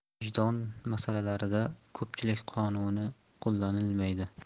vijdon masalalarida ko'pchilik qonuni qo'llanilmaydi